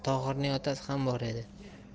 tohirning otasi ham bor edi